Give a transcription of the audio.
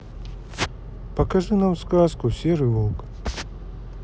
покажи нам сказку серый волк